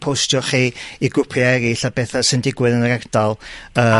postio chi i grwpia' eryll a betha sy'n digwydd yn yr ardal yy...